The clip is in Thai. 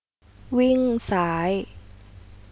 วิ่งซ้าย